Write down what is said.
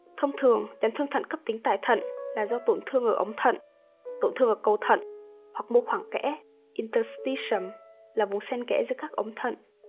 thông thường chấn thương thận cấptính tại thận do tổn thương ở ống thận cầu thận hoặc mô khoảng kẽ là vùng xen kẽ giữa các ống thận